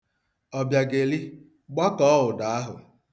Ọbịageli, gbakọọ ụdọ ahụ.